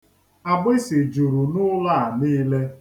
Agbịsị juru n'ụlọ a niile.